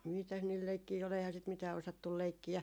mitäs niillä leikkejä oli eihän sitä mitään osattu leikkiä